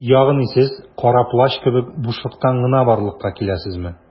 Ягъни сез Кара Плащ кебек - бушлыктан гына барлыкка киләсезме?